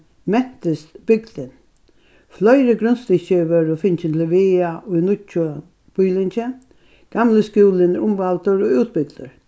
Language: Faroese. mentist bygdin fleiri grundstykki vórðu fingin til vega í nýggja býlingi gamli skúlin er umvældur og útbygdur